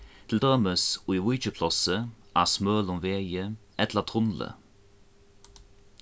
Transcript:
til dømis í víkiplássi á smølum vegi ella tunli